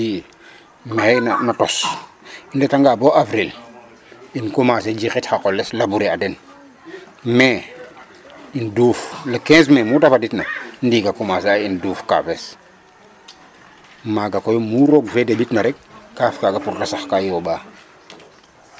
II maxey no tos i ndetangaa bo avril um commencer jiqit na qoles labouré a den mai in duuf le 15 mai mu ta faditna ndiig a commencer a um duuf kaafes maaga koy mu roog fe deɓitna rek kaaf kaaga pour ta sax kaa yooɓaa.